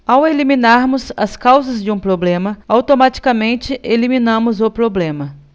ao eliminarmos as causas de um problema automaticamente eliminamos o problema